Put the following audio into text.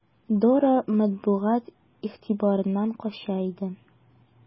Дора матбугат игътибарыннан кача иде.